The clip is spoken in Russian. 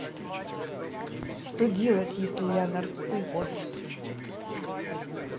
что делать если я нарцист